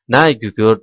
na gugurt